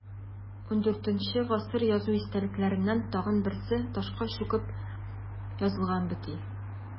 ХIV гасыр язу истәлекләреннән тагын берсе – ташка чүкеп язылган бөти.